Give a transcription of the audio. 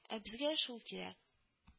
Ә безгә шул кирәк